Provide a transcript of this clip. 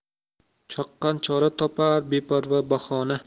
chaqqon chora topar beparvo bahona